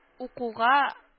Укуга